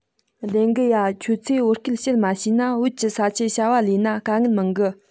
བདེན གི ཡ ཁྱོད ཚོས བོད སྐད བཤད མ ཤེས ན བོད གི ས ཆ བྱ བ ལས ན དཀའ ངལ མང གི